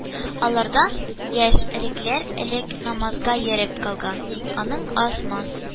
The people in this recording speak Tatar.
Алардан яшьрекләр, элек намазга йөреп калган, аның аз-маз